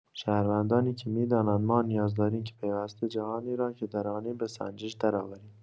شهروندانی که می‌دانند ما نیاز داریم که پیوسته جهانی را که در آنیم به سنجش درآوریم.